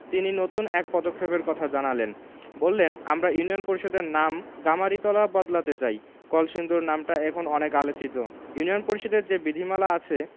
তিনি নতুন এক পদক্ষেপের কথা জানালেন বললেন আমরা ইউনিয়ন পরিষদের নাম গামারিতলা বদলাতে চাই কলসিন্দুর নামটা এখন অনেক আলোচিত ইউনিয়ন পরিষদের যে বিধিমালা আছে